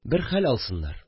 Бер хәл алсыннар